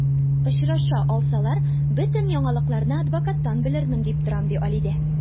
Очраша алсалар, бөтен яңалыкларны адвокаттан белермен дип торам, ди Алидә.